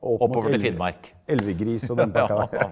Elvegris og den pakka der.